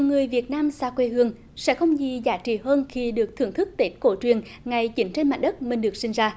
người việt nam xa quê hương sẽ không gì giá trị hơn khi được thưởng thức tết cổ truyền ngay chính trên mặt đất mình được sinh ra